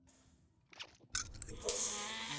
и повсюду